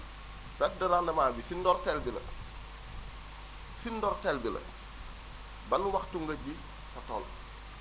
perte de rendement bi si ndorteel bi la si ndorteel bi la ban waxtu nga ji sa tool